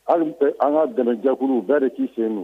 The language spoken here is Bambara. Hali bɛ an ka dɛmɛjakuluw u bɛɛ de k'i sen